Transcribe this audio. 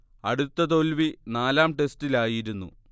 അടുത്ത തോൽവി നാലാം ടെസ്റ്റിലായിരുന്നു